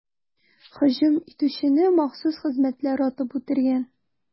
Һөҗүм итүчене махсус хезмәтләр атып үтергән.